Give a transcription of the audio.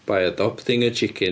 By adopting a chicken.